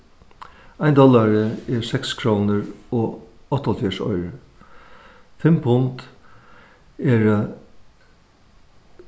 ein dollari er seks krónur og áttaoghálvfjerðs oyrur fimm pund eru